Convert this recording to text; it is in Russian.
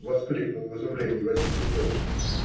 - воскликнул в изумлении Василий Петрович.